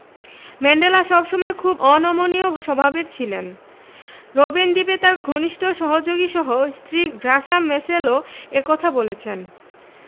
Mandela সব সময় খুব অনমনীয় স্বভাবের ছিলেন রোবেন দ্বীপে তাঁর ঘনিষ্ঠ সহযোগীসহ স্ত্রী গ্রাসা ম্যাশেলও এ কথা বলেছেন